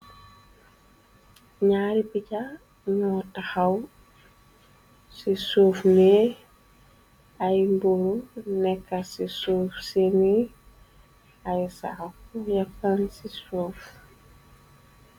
Naari picca ñu taxaw ci suuf ne ay mburu nekka ci suuf sini ay sóów yeppan ci suuf.